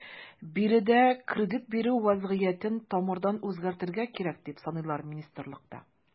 Биредә кредит бирү вәзгыятен тамырдан үзгәртергә кирәк, дип саныйлар министрлыкта.